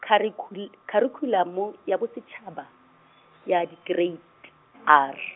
kharikhul- kharikhulamo ya bosetshaba, ya di grade, R.